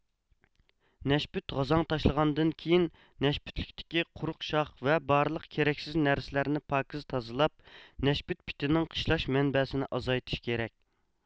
نەشپۈت غازاڭ تاشلىغاندىن كېيىن نەشپۈتلۈكتىكى قۇرۇق شاخ ۋە بارلىق كېرەكسىز نەرسىلەرنى پاكىز تازىلاپ نەشپۈت پىتىنىڭ قىشلاش مەنبەسىنى ئازايتىش كېرەك